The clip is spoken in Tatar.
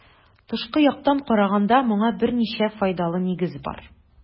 Тышкы яктан караганда моңа берничә файдалы нигез бар.